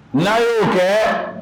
Na ye'o kɛ